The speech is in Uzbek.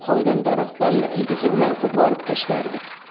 qolgan daraxtlarni ildizi bilan qo'porib tashlardi